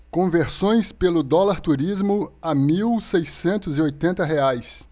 conversões pelo dólar turismo a mil seiscentos e oitenta reais